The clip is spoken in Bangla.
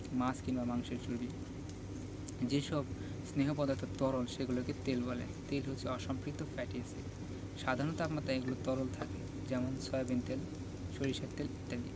মাছ কিংবা মাংসের চর্বি যেসব স্নেহ পদার্থ তরল সেগুলোকে তেল বলে তেল হচ্ছে অসম্পৃক্ত ফ্যাটি এসিড সাধারণ তাপমাত্রায় এগুলো তরল থাকে যেমন সয়াবিন তেল সরিষার তেল ইত্যাদি